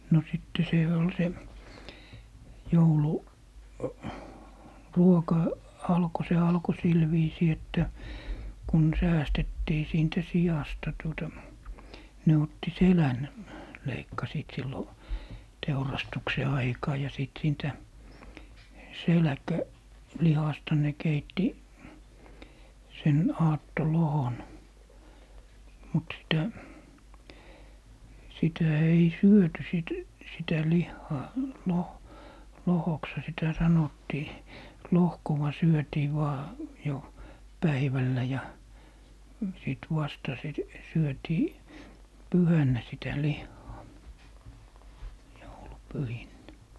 no sitten se oli se - jouluruoka alkoi se alkoi sillä viisiin että kun säästettiin siitä siasta tuota ne otti selän leikkasivat silloin teurastuksen aikaan ja sitten siitä - selkälihasta ne keitti sen aattolohkon mutta sitä sitä ei syöty sitten sitä lihaa - lohkoksihan sitä sanottiin lohkoa syötiin vain jo päivällä ja sitten vasta sitten syötiin pyhänä sitä lihaa joulupyhinä